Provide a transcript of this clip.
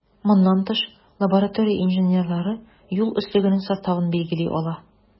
Моннан тыш, лаборатория инженерлары юл өслегенең составын билгели ала.